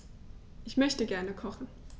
Ich möchte gerne kochen.